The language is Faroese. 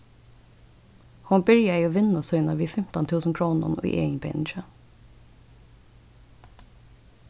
hon byrjaði vinnu sína við fimtan túsund krónum í eginpeningi